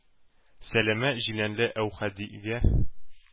Сәләмә җиләнле Әүхәдигә